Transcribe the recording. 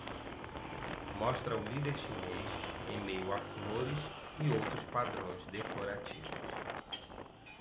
mostra o líder chinês em meio a flores e outros padrões decorativos